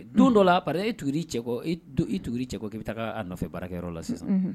Don dɔ la pa e tugu cɛkɔ e tugu cɛ kɔ k'i bɛ taaa nɔfɛ baarakɛyɔrɔ la sisan